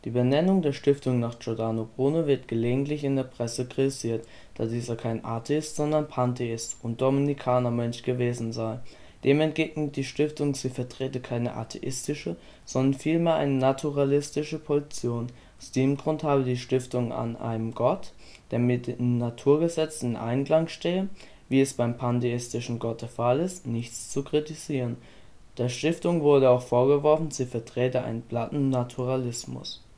Benennung der Stiftung nach Giordano Bruno wird gelegentlich in der Presse kritisiert, da dieser kein Atheist, sondern Pantheist – und Dominikanermönch – gewesen sei. Dem entgegnet die Stiftung, sie vertrete keine atheistische, sondern vielmehr eine naturalistische Position. Aus diesem Grund habe die Stiftung an einem Gott, der mit den Naturgesetzen in Einklang stehe (wie es beim pantheistischen Gott der Fall ist), nichts zu kritisieren. Der Stiftung wurde auch vorgeworfen, sie vertrete einen „ platten Naturalismus